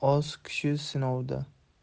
bilimi oz kishi sinovda